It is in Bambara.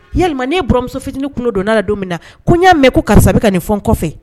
Yalima ne bɔramuso fitinin kun donna la don min na ko n y'a mɛn ko karisaa sababu ka nin fɔ kɔfɛ